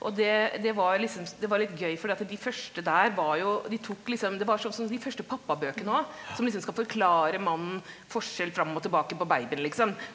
og det det var liksom det var litt gøy fordi at de første der var jo de tok liksom det var sånn som de første pappabøkene óg som liksom skal forklare mannen forskjell fram og tilbake på babyen liksom.